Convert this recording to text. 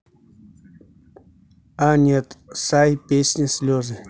анет сай песня слезы